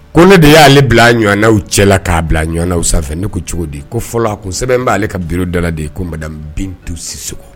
Ko ne de y'aale bila ɲɔgɔnanaw cɛla la k'a bila ɲɔgɔnw sanfɛ ne ko cogo di ko fɔlɔ a ko sɛbɛn b'aale ka bi dalala de ye ko mada bintu siso